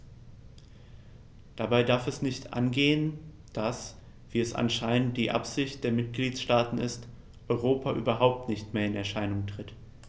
Dabei darf es nicht angehen, dass - wie es anscheinend die Absicht der Mitgliedsstaaten ist - Europa überhaupt nicht mehr in Erscheinung tritt.